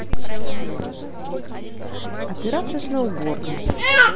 операция сноуборда